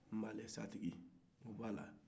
malɛsatigi o b'a la